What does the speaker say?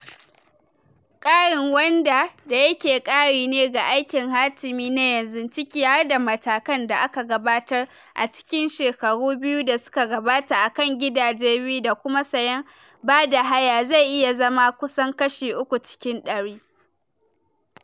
Ƙarin - wanda da yake kari ne ga aikin hatimi na yanzu, ciki har da matakan da aka gabatar a cikin shekaru biyu da suka gabata a kan gidaje biyu da kuma sayen bada haya - zai iya zama kusan kashi uku cikin dari.